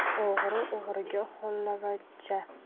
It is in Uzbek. o'g'ri o'g'riga xolavachcha